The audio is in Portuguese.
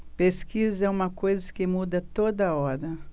pesquisa é uma coisa que muda a toda hora